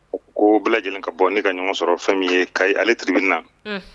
U ko bɛɛ lajɛlen ka bɔ ne ka ɲɔgɔn sɔrɔ fɛn ye ka alemina na